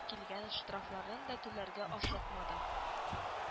Килгән штрафларын да түләргә ашыкмады